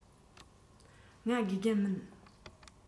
ང དགེ རྒན མིན